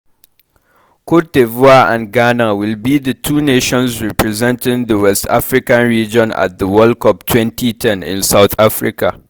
Côte d'Ivoire and Ghana will be the two nations representing the West African region at the World Cup 2010 in South Africa.